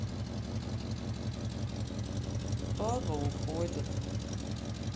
баба уходит